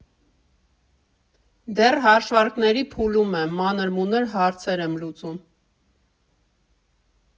Դեռ հաշվարկների փուլում եմ, մանր֊մունր հարցերն եմ լուծում։